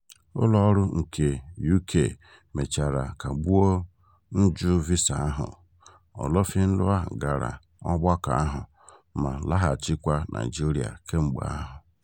Ụlọọrụ nke UK mechara kagbuo njụ visa ahụ. Olofinlua gara ọgbakọ ahụ ma laghachị kwa Naịjirịa kemgbe ahụ.